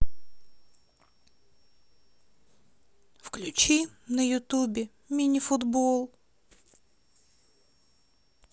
включи на ютубе минифутбол